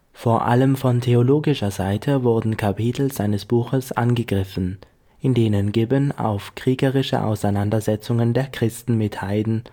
Vor allem von theologischer Seite wurden Kapitel seines Buches angegriffen, in denen Gibbon auf kriegerische Auseinandersetzungen der Christen mit Heiden